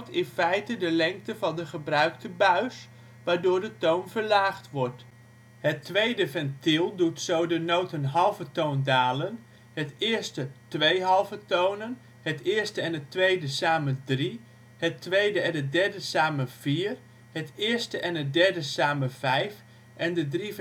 in feite de lengte van de gebruikte buis, waardoor de toon verlaagd wordt. Het tweede ventiel doet zo de noot een halve toon dalen, de eerste twee halve tonen, de eerste en de tweede samen drie, de tweede en de derde samen vier, de eerste en de derde samen vijf en de drie